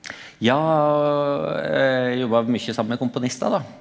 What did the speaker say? ja og eg jobba mykje saman med komponistar da.